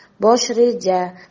bosh reja